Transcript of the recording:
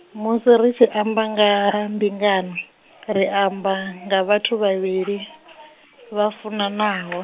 musi ri tshi amba nga ha mbingano, ri amba, nga vhathu vhavhili , vha funanaho.